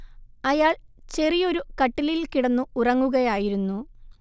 അയാൾ ചെറിയൊരു കട്ടിലിൽ കിടന്നു ഉറങ്ങുകയായിരുന്നു